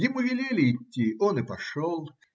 Ему велели идти, он и пошел.